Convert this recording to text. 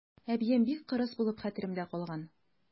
Әбием бик кырыс булып хәтеремдә калган.